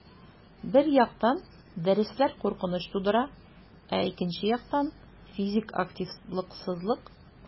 Бер яктан, дәресләр куркыныч тудыра, ә икенче яктан - физик активлыксыз балаларның сәламәтлеген яхшыртып булмаячак.